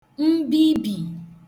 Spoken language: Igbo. mbibì